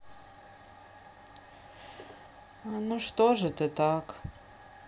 ну что ж ты так